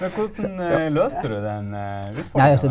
men hvordan løste du den utfordringen der?